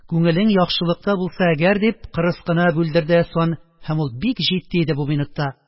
Күңелең яхшылыкта булса әгәр, – дип, кырыс кына бүлдерде Әсфан, һәм ул бик җитди иде бу минутта,